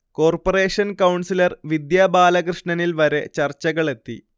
corporation councillor Vidya ബാലകൃഷ്ണനിൽ വരെ ചർച്ചകളെത്തി